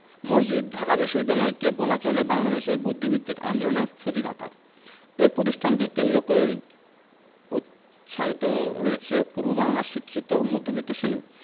মসজিদ ঢাকা বিশ্ববিদ্যালয়কে বলা চলে বাংলাদেশের বুদ্ধিবৃত্তিক আন্দোলনের সূতিকাগার এ প্রতিষ্ঠানকে কেন্দ্র করেই উৎসারিত হয়েছে পূর্ববাংলার শিক্ষিত মধ্যবিত্ত শ্রেণি